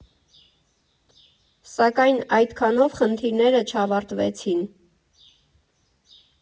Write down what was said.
Սակայն այդքանով խնդիրները չավարտվեցին։